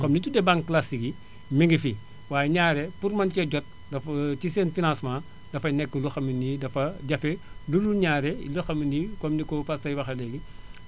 comme li ñu tuddee banque classique yi mi ngi fi waaye ñaare pour mën cee jot dafa ci seen financement dafay nekk loo xam ne nii dafa jafe du lu ñaare loo xam ne nii comme ni ko Fatou Seye waxee léegi